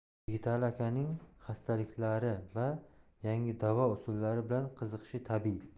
yigitali akaning xastaliklar va yangi davo usullari bilan qiziqishi tabiiy